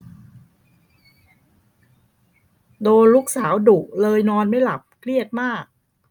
โดนลูกสาวดุเลยนอนไม่หลับเครียดมาก